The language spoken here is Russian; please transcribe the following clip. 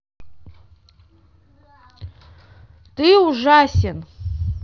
ты ужасен